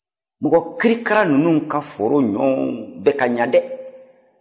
mɔgɔ kirikara ninnu ka foro ɲɔgɔn tɛ ka ɲɛ dɛ